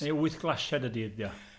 Neu wyth glasied y dydd ydy o?